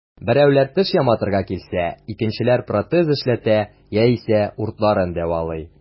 Берәүләр теш яматырга килсә, икенчеләр протез эшләтә яисә уртларын дәвалый.